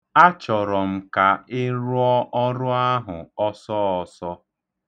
Achọrọ m ka ị rụọ ọrụ ahụ ọsọọsọ.